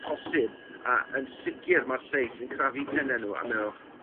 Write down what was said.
posib a yn sicir ma'r lleill yn crafu penne n'w a me'wl